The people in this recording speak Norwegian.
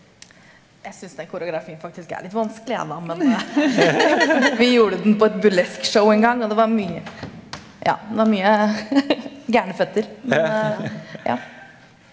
jeg syns den koreografien faktisk er litt vanskelig jeg da men vi gjorde den på et burlesk-show en gang og det var mye ja det var mye gærne føtter men ja.